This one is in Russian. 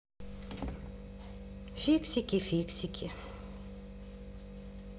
фиксики фиксики